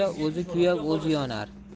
o'zi kuyib o'zi yonar